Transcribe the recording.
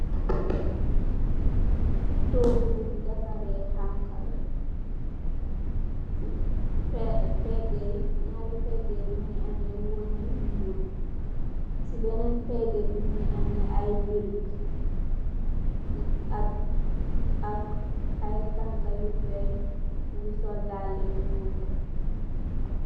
Tohgu bungh defareh khanka la, cii peh pehgeh yii njarri pehgeh mungy ameh weungh yu njull, cii benen pehgeh bii mungy ameh aiiy brick, cii ak ak aiiy tankah yu fengh nju sol daalue yu njull.